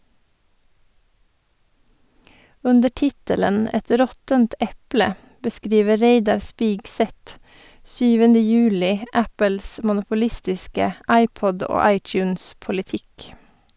Under tittelen «Et råttent eple» beskriver Reidar Spigseth 7. juli Apples monopolistiske iPod- og iTunes-politikk.